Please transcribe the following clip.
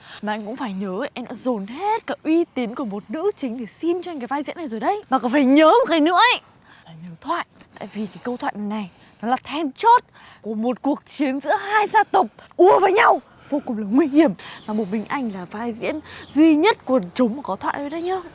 mà anh cũng phải nhớ ấy em đã dồn hết uy tín của một nữ chính để phim xin cho anh cái vai diễn này rồi đấy mà còn phải nhớ một cái nữa ấy là lời thoại tại vì cái câu thoại này là then chốt của một cuộc chiến giữa hai gia tộc ùa vào nhau vô cùng là nguy hiểm một mình anh là vai diễn duy nhất quần chúng mà có thoại thôi đấy nhá